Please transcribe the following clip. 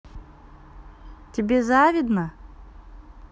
тебе завидно